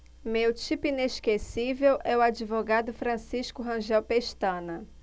meu tipo inesquecível é o advogado francisco rangel pestana